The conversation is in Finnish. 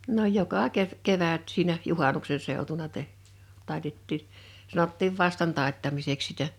no joka - kevät siinä juhannuksen seutuna - taitettiin sanottiin vastan taittamiseksi sitä